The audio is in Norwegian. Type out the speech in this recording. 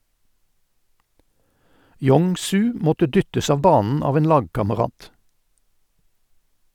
Yong-su måtte dyttes av banen av en lagkamerat.